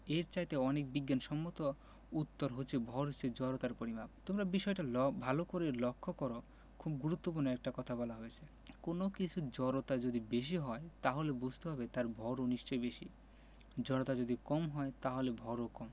এর চাইতে অনেক বিজ্ঞানসম্মত উত্তর হচ্ছে ভর হচ্ছে জড়তার পরিমাপ তোমরা বিষয়টা ভালো করে লক্ষ করো খুব গুরুত্বপূর্ণ একটা কথা বলা হয়েছে কোনো কিছুর জড়তা যদি বেশি হয় তাহলে বুঝতে হবে তার ভরও নিশ্চয়ই বেশি জড়তা যদি কম হয় তাহলে ভরও কম